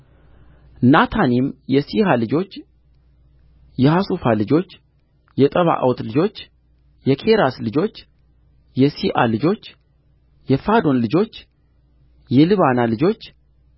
ናታኒም የሲሐ ልጆች የሐሡፋ ልጆች የጠብዖት ልጆች የኬራስ ልጆች የሲዓ ልጆች የፋዶን ልጆች የልባና ልጆች